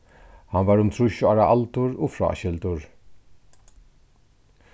hann var um trýss ára aldur og fráskildur